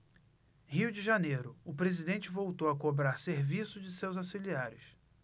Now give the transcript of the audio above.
rio de janeiro o presidente voltou a cobrar serviço de seus auxiliares